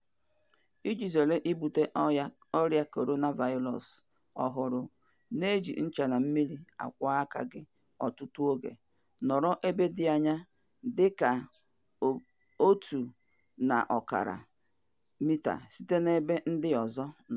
Iji zere ibute ọrịa coronavirus ọhụrụ, na-eji ncha na mmiri akwọ aka gị ọtụtụ oge, nọrọ ebe dị anya dị ka 1.5 mita site n'ebe ndị ọzọ nọ.